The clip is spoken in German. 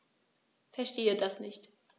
Verstehe das nicht.